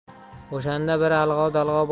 o'shanda bir alg'ov dalg'ov